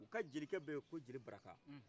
u ka jelikɛ beyi ko jeli baraka